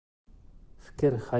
fikr xayolini bir